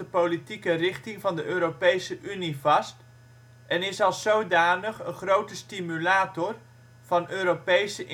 politieke richting van de Europese Unie vast, en is als zodanig een grote stimulator van Europese integratie